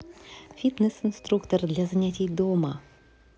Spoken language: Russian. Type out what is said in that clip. фитнес инструктор для занятий дома